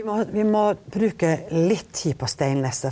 vi må ha vi må bruke litt tid på Steilneset.